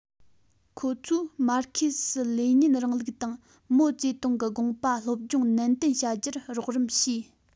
ཁོ ཚོས མར ཁེ སི ལེ ཉིན རིང ལུགས དང མའོ ཙེ ཏུང གི དགོངས པ སློབ སྦྱོང ནན ཏན བྱ རྒྱུར རོགས རམ བྱས